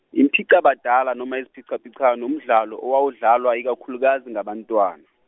impicabadala noma iziphicaphicwano umdlalo owawudlalwa ikakhulukazi ngabantwana.